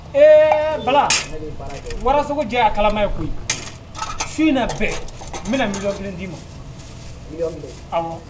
Ee bala waraso jɛ a kalama ye koyi in na bɛɛ n bɛna nijɔ kelen d'i ma